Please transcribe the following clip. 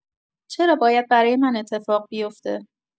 چرا باید برای من اتفاق بی افته؟